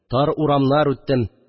Тар урамнар үттем